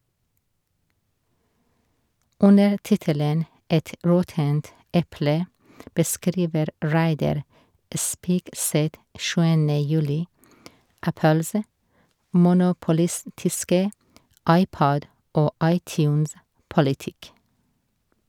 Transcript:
Under tittelen «Et råttent eple» beskriver Reidar Spigseth 7. juli Apples monopolistiske iPod- og iTunes-politikk.